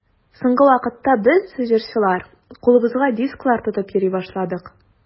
Соңгы вакытта без, җырчылар, кулыбызга дисклар тотып йөри башладык.